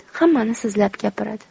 hammani sizlab gapiradi